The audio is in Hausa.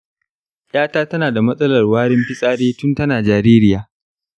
yata tana da matsalar warin fitsari tun tana jaririya.